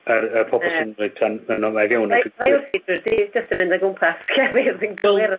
yr y pobol... Ie. ...roid mewn ac yn... Fyddai wrth drwyr dydd jyst yn mynd o gwmpas llefydd fi'n coelio ar y...